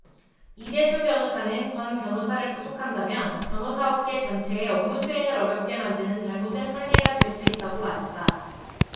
이대순 변호사는 권 변호사를 구속한다면 변호사업계 전체의 업무수행을 어렵게 만드는 잘못된 선례가 될 수 있다고 말했다